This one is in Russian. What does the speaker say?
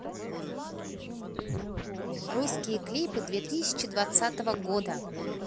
русские клипы две тысячи двадцатого года